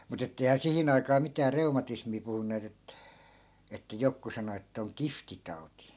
mutta että eihän siihen aikaa mitään reumatismia puhuneet - että joku sanoi että on kihtitauti